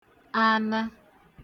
anə̣